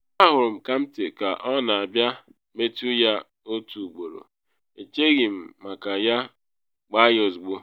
“Ahụrụ m Kante ka ọ na abịa, metụ ya otu ugboro, echeghị m maka ya ọtụtụ, gbaa ya ozugbo.”